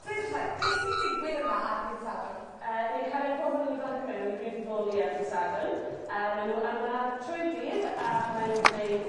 Dweud wrthai beth sy'n digwydd yma ar ddydd Sadwrn> Yy ni'n cael ein pobol ifanc mewn i gwirfoddoli ar dydd Sadwrn yy mae n'w yma trwy'r dydd a mae nw'n gwneud